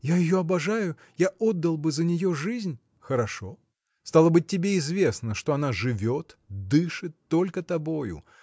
Я ее обожаю, я отдал бы за нее жизнь. – Хорошо. Стало быть тебе известно что она живет дышит только тобою